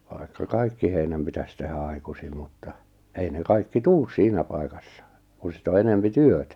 vaikka kaikki heinät pitäisi tehdä aikaisin mutta ei ne kaikki tule siinä paikassa kun sitten on enempi työtä